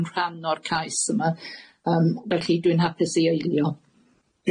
yn rhan o'r cais yma yym felly dwi'n hapus i eilio.